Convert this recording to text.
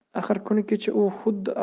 axir kuni kecha u xuddi